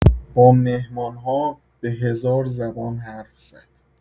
با مهمان‌ها به هزار زبان حرف زد.